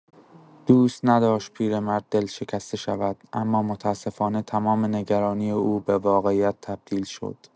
دوست نداشت پیرمرد دلشکسته شود، اما متاسفانه تمام نگرانی او به واقعیت تبدیل شد.